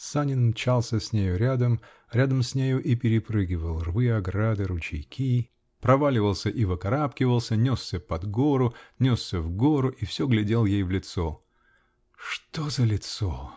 Санин мчался с нею рядом, рядом с нею и перепрыгивал рвы, ограды, ручейки, проваливался и выкарабкивался, несся под гору, несся в гору и все глядел ей в лицо. Что за лицо!